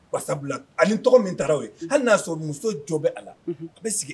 Sabula ani tɔgɔ min taara o ye hali n y'a sɔrɔ muso jɔ bɛ a la a bɛ sigi